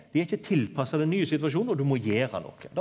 dei er ikkje tilpassa den nye situasjonen og du må gjere noko.